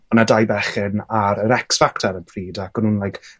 o' 'na dau bechgyn ar yr X-Factor ar y pryd ac o'n nw'n like